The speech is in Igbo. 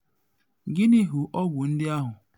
“Gịnị hụ ọgwụ ndị ahụ?